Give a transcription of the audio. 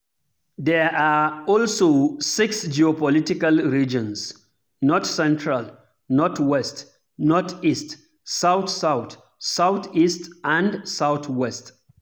There are also six geopolitical regions: North Central, Northwest, Northeast, South-south, Southeast, and Southwest.